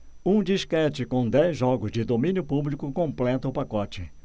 um disquete com dez jogos de domínio público completa o pacote